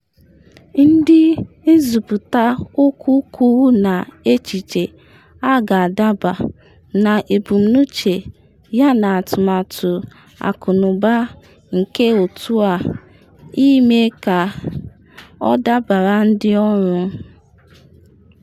Ndị nzuputa okwu kwuru na echiche a “ga-adaba” na ebumnuche yana atụmatụ akụnụba nke otu a ime ka ọ dabaara ndị ọrụ.